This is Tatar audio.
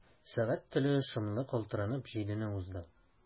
Сәгать теле шомлы калтыранып җидене узды.